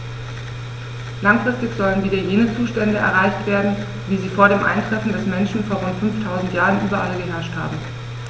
Langfristig sollen wieder jene Zustände erreicht werden, wie sie vor dem Eintreffen des Menschen vor rund 5000 Jahren überall geherrscht haben.